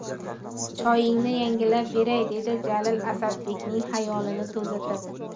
choyingni yangilab beray dedi jalil asadbekning xayolini to'zitib